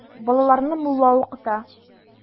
Балаларны мулла укыта.